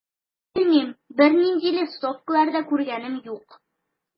Белмим, бернинди листовкалар да күргәнем юк.